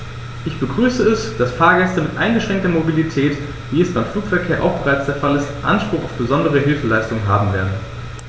Ich begrüße es, dass Fahrgäste mit eingeschränkter Mobilität, wie es beim Flugverkehr auch bereits der Fall ist, Anspruch auf besondere Hilfeleistung haben werden.